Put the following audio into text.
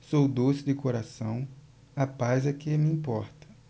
sou doce de coração a paz é que me importa